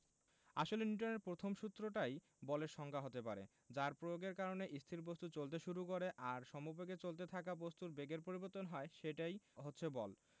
আসলে নিউটনের প্রথম সূত্রটাই বলের সংজ্ঞা হতে পারে যার প্রয়োগের কারণে স্থির বস্তু চলতে শুরু করে আর সমবেগে চলতে থাকা বস্তুর বেগের পরিবর্তন হয় সেটাই হচ্ছে বল